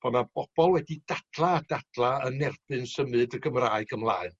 bo' 'na bobol wedi dadla' a dadla' yn erbyn symud y Gymraeg ymlaen.